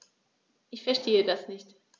Ich verstehe das nicht.